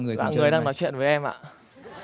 người đang nói chuyện với em ạ